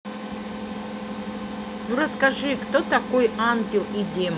ну расскажи кто такой ангел и демон